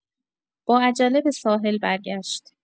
با عجله به ساحل برگشت.